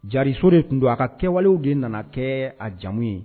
Jaso de tun don a ka kɛwalew de nana kɛ a jamu ye